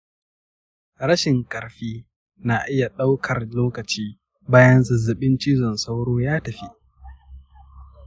rashin ƙarfi na iya ɗaukar lokaci bayan zazzaɓin cizon sauro ya tafi.